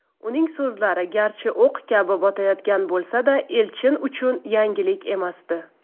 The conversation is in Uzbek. uning so'zlari garchi o'q kabi botayotgan bo'lsa da elchin uchun yangilik emasdi